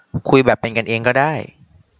คุยแบบเป็นกันเองก็ได้